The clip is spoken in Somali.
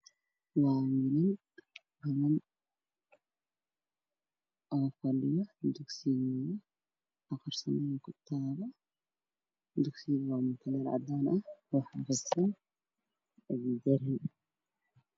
Waa dugsi waxaa joogo wiilal yar yar waxay wataan khamiisyo madow qaxwi cadaan si jahaad ay ku fadhiyaan